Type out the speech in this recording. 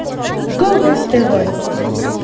гоголь тв